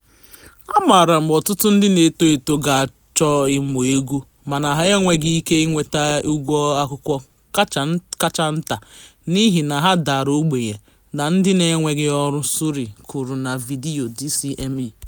Amaara m ọtụtụ ndị na-eto eto ga-achọ ịmụ egwu mana ha enweghị ike ị nweta ụgwọ akwụkwọ kacha nta n'ihi na ha dara ogbenye na ndị na-enweghị ọrụ, Surri kwuru na vidiyo DCMA.